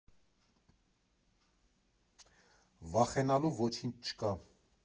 Վախենալու ոչինչ չկա։